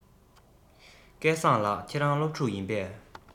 སྐལ བཟང ལགས ཁྱེད རང སློབ ཕྲུག ཡིན པས